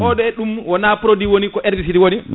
oɗe ɗum wona produit woni ko herbicide woni